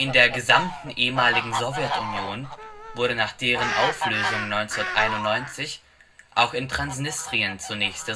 der gesamten ehemaligen Sowjetunion wurde nach deren Auflösung 1991 auch in Transnistrien zunächst